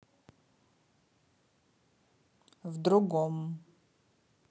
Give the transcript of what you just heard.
в другом